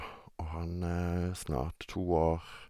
Og han er snart to år.